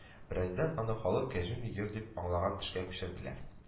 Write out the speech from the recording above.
Бераздан аны халык кәҗүнни йорт дип аңлаган төшкә күчерделәр